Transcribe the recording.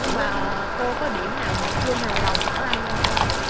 nhưng mà cô có điểm nào mà chưa hài lòng ở anh không cô